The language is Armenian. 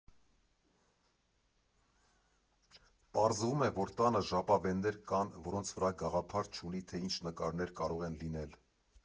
Պարզվում է, որ տանը ժապավեններ կան, որոնց վրա գաղափար չունի, թե ինչ նկարներ կարող են լինել։